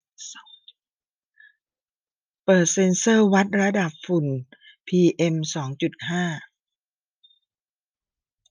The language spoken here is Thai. เปิดเซ็นเซอร์วัดระดับฝุ่นพีเอ็มสองจุดห้า